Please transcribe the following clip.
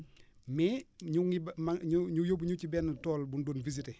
mais ñu ngi ba ma ñu ñu ñu yóbbu ñu ci benn tool bu ñu doon visité